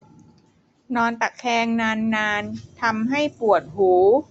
นอนตะแคงนานนานทำให้ปวดหู